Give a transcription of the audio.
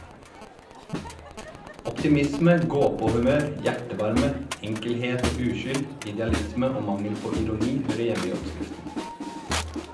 Optimisme, gåpåhumør, hjertevarme , enkelhet og uskyld , idealisme og mangel på ironi, hører hjemme i oppskriften.